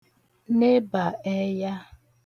nebà ẹya